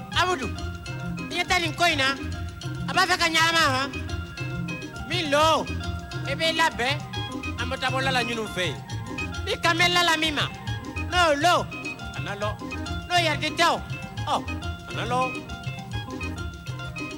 Abu i taa nin ko in na a b'a fɛ ka ɲama wa lɔ i b'i labɛn anbadabɔlalaɲini fɛ yen i ka la min malɔ a n yadi tɛ a na